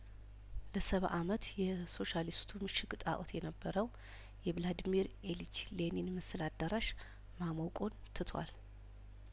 ለሰባ አመት የሶሻሊ ስቱምሽግ ጣኦት የነበረው የቭላዲሚር ኢሊች ሌኒንምስል አዳራሽ ማሞ ቁንትቷል